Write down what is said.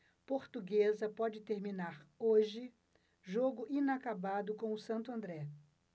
portuguesa pode terminar hoje jogo inacabado com o santo andré